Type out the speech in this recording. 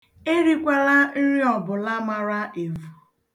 Erikwala nri ọbụla mara evu.